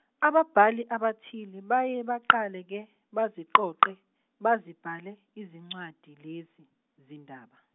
ababhali abathile baye beqale ke baziqoqe bazibhale ezincwadini lezi, zindaba.